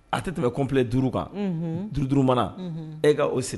A tɛ tɛmɛ complet duuru kan, unhun, duuru duuru mana, unhun, e ka o siri